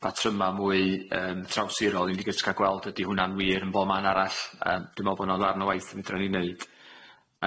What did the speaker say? patryma mwy yym traws-sirol i ni jyst ca'l gweld ydi hwnna'n wir yn bo' man arall yym dwi'n me'wl bo' hwnna'n ddarn o waith fedran ni neud.